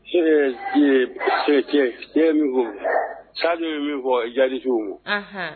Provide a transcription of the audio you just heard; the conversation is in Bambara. Cɛ min kari min bɛ fɔ jalisiw ma